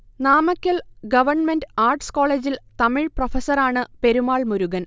Namakkal government arts കോളേജിൽ തമിഴ് പ്രഫസറാണ് പെരുമാൾ മുരുഗൻ